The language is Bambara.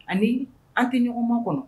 Ani an tɛ ɲɔgɔn ma kɔnɔ